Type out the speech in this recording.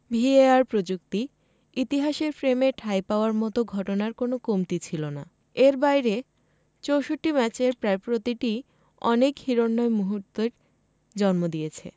VAR প্রযুক্তি ইতিহাসের ফ্রেমে ঠাঁই পাওয়ার মতো ঘটনার কোনো কমতি ছিল না এর বাইরে ৬৪ ম্যাচের প্রায় প্রতিটিই অনেক হিরণ্ময় মুহূর্তের জন্ম দিয়েছে